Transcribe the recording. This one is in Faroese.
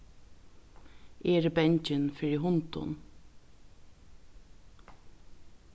eg eri bangin fyri hundum